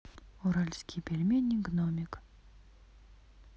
уральские пельмени гномик